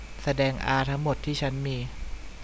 แสดงอาทั้งหมดที่ฉันมี